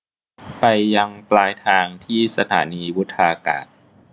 ไปยังปลายทางที่สถานีวุฒากาศ